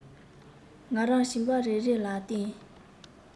ང རང བྱིས པ རེ རེ ལ བསྟན